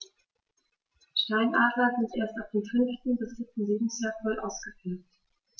Steinadler sind erst ab dem 5. bis 7. Lebensjahr voll ausgefärbt.